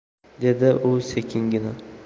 dedi u sekingina